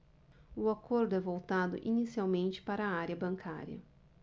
o acordo é voltado inicialmente para a área bancária